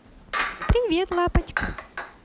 привет лапочка